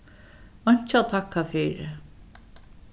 einki at takka fyri